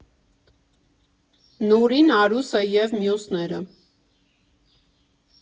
Նուրին, Արուսը և մյուսները։